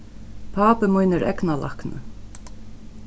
pápi mín er eygnalækni